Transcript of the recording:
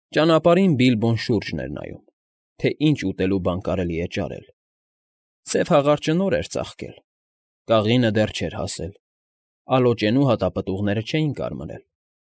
Ճանապարհին Բիլբոն շուրջն էր նայում, թե ինչ ուտելու բան կարելի է ճարել. սև հաղարջը նոր էր ծաղկել, կաղինը դեռ չէր հասել, ալոճենու հատապտուղները չէին կարմրել։